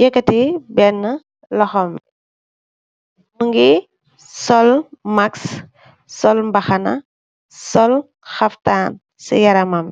yëkkati benna loxom mu ngi sol max sol mbaxana sol xaftaan ci yaramam.